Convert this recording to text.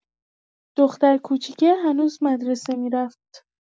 دختر کوچیکه هنوز مدرسه می‌رفت.